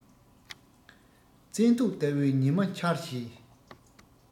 བཙན དུག ལྟ བུའི ཉི མ འཆར ཞེས